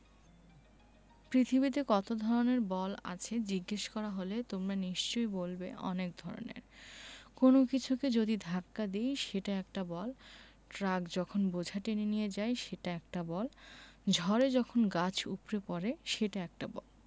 পৃথিবীতে কত ধরনের বল আছে জিজ্ঞেস করা হলে তোমরা নিশ্চয়ই বলবে অনেক ধরনের কোনো কিছুকে যদি ধাক্কা দিই সেটা একটা বল ট্রাক যখন বোঝা টেনে নিয়ে যায় সেটা একটা বল ঝড়ে যখন গাছ উপড়ে পড়ে সেটা একটা বল